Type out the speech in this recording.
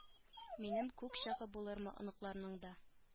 Минем күк чагы булырмы оныкларның да